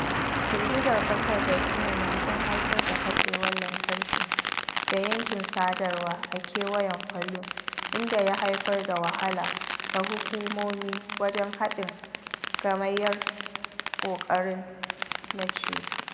Girgizar ƙasar da tsunamin sun haifar da katsewar lantarki da yanke sadarwa a kewayen Palu inda ya haifar da wahala ga hukumomi wajen haɗin gamayyar ƙoƙarin na ceto.